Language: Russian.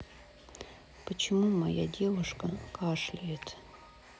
почему моя девушка кашляет